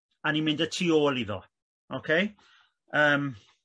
a ni'n mynd y tu ôl iddo oce yym